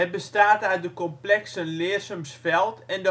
bestaat uit de complexen Leersums Veld en